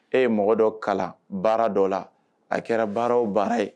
E ye mɔgɔ dɔ kalan baara dɔ la a kɛra baaraw baara ye